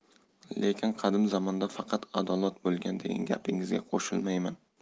lekin qadim zamonda faqat adolat bo'lgan degan gapingizga qo'shilmayman